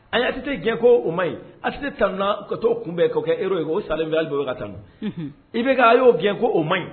A atite gɛn ko o ma ɲi a tisete tanununa ka taa kunbɛn' kɛ ero ye oo salen don ka tanun i bɛka kɛ a y'o gɛn ko o ma ɲi